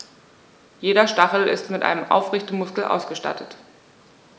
Jeder Stachel ist mit einem Aufrichtemuskel ausgestattet.